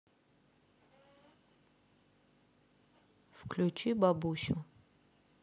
включи бабусю